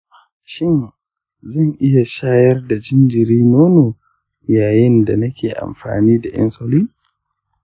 shin zan iya shayar da jariri nono yayin da nake amfani da insulin?